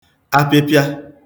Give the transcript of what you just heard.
apịpịa